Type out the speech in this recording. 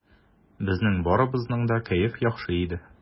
Безнең барыбызның да кәеф яхшы иде.